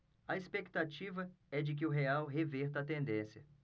a expectativa é de que o real reverta a tendência